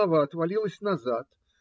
голова отвалилась назад.